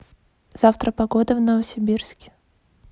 завтра погода в новосибирске